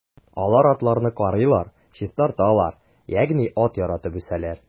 Алар атларны карыйлар, чистарталар, ягъни ат яратып үсәләр.